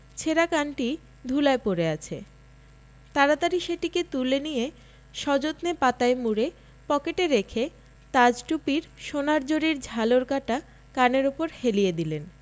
ছেঁড়া কানটি ধূলায় পড়ে আছে তাড়াতাড়ি সেটিকে তুলে নিয়ে সযত্নে পাতায় মুড়ে পকেটে রেখে তাজ টুপির সোনার জরির ঝালর কাটা কানের উপর হেলিয়ে দিলেন